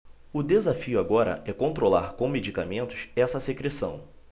o desafio agora é controlar com medicamentos essa secreção